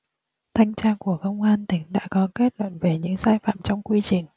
thanh tra của công an tỉnh đã có kết luận về những sai phạm trong quy trình